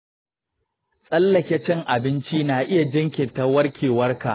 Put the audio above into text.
tsallake cin abinci na iya jinkirta warkewarka.